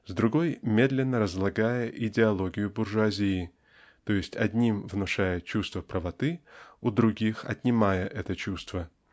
с другой -- медленно разлагая идеологию буржуазии т.е. одним внушая чувство правоты у других отнимая это чувство.